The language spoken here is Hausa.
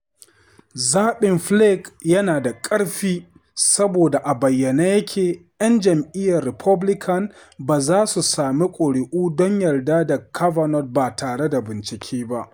Zaɓin Flake yana da ƙarfi, saboda a bayyane yake ‘yan jam’iyyar Republican ba za su sami ƙuri’u don yarda da Kavanaugh ba tare da bincike ba.